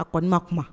A kɔni ma kuma